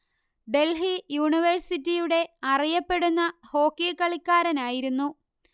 ഡൽഹി യൂണിവേഴ്സിറ്റിയുടെ അറിയപ്പെടുന്ന ഹോക്കി കളിക്കാരനായിരുന്നു